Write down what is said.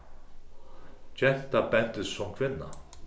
genta bendist sum kvinna